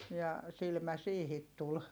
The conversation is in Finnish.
ja silmä siihen tuli